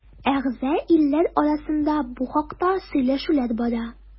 Әгъза илләр арасында бу хакта сөйләшүләр бара.